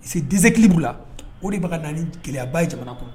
Parce disekilili b' la o de bɛ na gɛlɛyaba ye jamana kɔnɔ